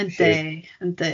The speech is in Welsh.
Yndi yndi.